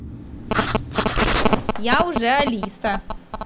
я уже алиса